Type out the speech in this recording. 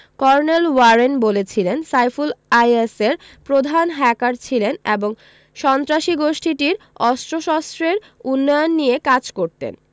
colonel Warren বলেছিলেন সাইফুল আইএসের প্রধান হ্যাকার ছিলেন এবং সন্ত্রাসী গোষ্ঠীটির অস্ত্রশস্ত্রের উন্নয়ন নিয়ে কাজ করতেন